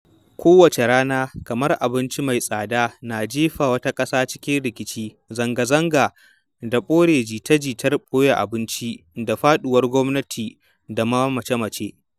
Kowace rana kamar abinci mai tsada na jefa wata ƙasar cikin rikici: zangazanga da bore ji-ta-ji-tar ɓoye abinci da faɗuwar gwamnati da ma mace-mace.